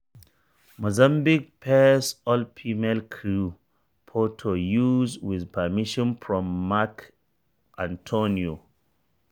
Mozambique's first all-female crew | Photo used with permission from Meck Antonio.